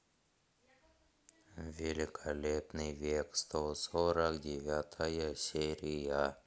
великолепный век сто сорок девятая серия